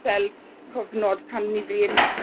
fel cofnod pan 'yf fi'n